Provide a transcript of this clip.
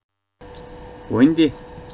འོན ཏེ